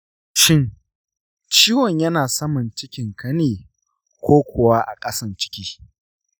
shin ciwon yana saman cikinka ne ko kuwa ƙasan ciki?